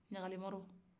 ɲagalen mɔrɔ